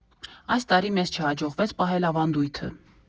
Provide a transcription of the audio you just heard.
Այս տարի մեզ չհաջողվեց պահել ավանդույթը։